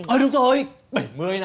ờ đúng rồi bảy mươi